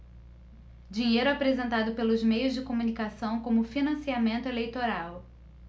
dinheiro apresentado pelos meios de comunicação como financiamento eleitoral